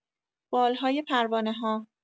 بال‌های پروانه‌ها